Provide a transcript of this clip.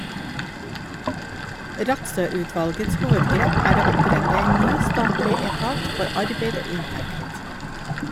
Rattsøutvalgets hovedgrep er å opprette en ny statlig etat for arbeid og inntekt.